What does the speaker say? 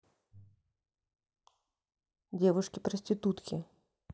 девушки проститутки